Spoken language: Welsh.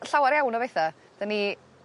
llawer iawn o betha 'dan ni